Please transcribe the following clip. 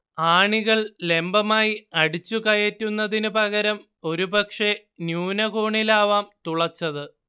ആണികൾ ലെംബമായി അടിച്ചുകയറ്റുന്നതിനു പകരം ഒരുപക്ഷേ ന്യൂനകോണിലാവാം തുളച്ചത്